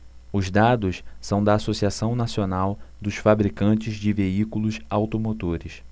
os dados são da anfavea associação nacional dos fabricantes de veículos automotores